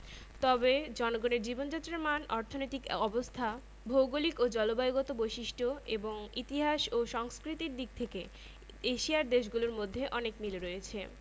ভারত বহুজাতি সম্প্রদায় ও ভাষাগোষ্ঠীর মানুষের একটি দেশ এ দেশে হিন্দু মুসলমান বৌদ্ধ শিখ খ্রিস্টান জৈনসহ বহু ধর্মের লোক বাস করে বাংলাদেশের সঙ্গে ভারতের বন্ধুত্তপূর্ণ সম্পর্ক রয়ছে